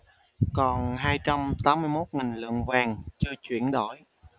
còn hai trăm tám mươi mốt nghìn lượng vàng chưa chuyển đổi